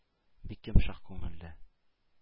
Бик йомшак күңелле.